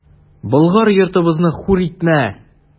Болгар йортыбызны хур итмә!